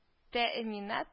Тәэминат